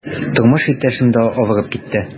Тормыш иптәшем дә авырып китте.